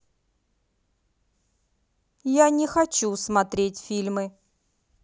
я не хочу смотреть фильмы